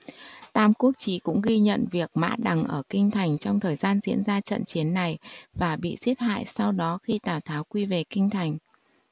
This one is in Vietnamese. tam quốc chí cũng ghi nhận việc mã đằng ở kinh thành trong thời gian diễn ra trận chiến này và bị giết hại sau đó khi tào tháo quy về kinh thành